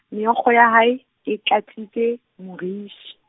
meokgo ya hae, e tlatsitse, morifi.